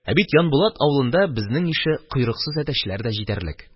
Ә бит Янбулат авылында безнең ише койрыксыз әтәчләр дә җитәрлек